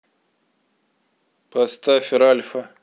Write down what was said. поставь ральфа